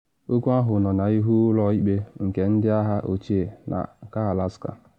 Okwu ahụ nọ n’ihu Ụlọ Ikpe nke Ndị Agha Ochie nke Alaska.